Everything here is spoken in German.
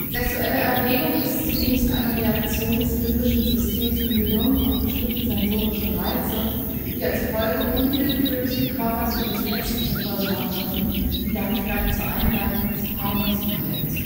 Sexuelle Erregung ist zunächst eine Reaktion des Limbischen Systems im Gehirn auf bestimmte sensorische Reize, die als Folge unwillkürliche körperliche Reflexe zur Folge haben können, die dann vielleicht zur Einleitung des Paarungsverhaltens führen